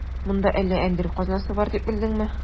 Монда әллә әндри казнасы бар дип белдеңме?